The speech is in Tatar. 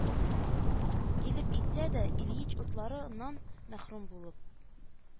Килеп итсә дә, ильич утлары ннан мәхрүм булып